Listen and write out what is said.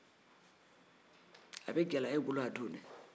a bɛ gɛlɛya e bolo a don dɛ